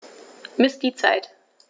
Miss die Zeit.